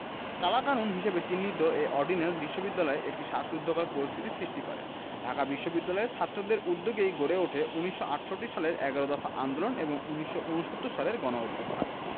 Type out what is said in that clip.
কালাকানুন হিসেবে চিহ্নিত এ অর্ডিন্যান্স বিশ্ববিদ্যালয়ে একটি শ্বাসরুদ্ধকর পরিস্থিতির সৃষ্টি করে ঢাকা বিশ্ববিদ্যালয়ের ছাত্রদের উদ্যোগেই গড়ে উঠে ১৯৬৮ সালের এগারো দফা আন্দোলন এবং ১৯৬৯ সালের গণঅভ্যুত্থান